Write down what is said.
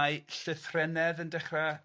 Mae llythrennedd yn dechra'